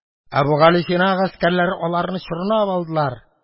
Әбүгалисина гаскәрләре аларны чорнап алдылар.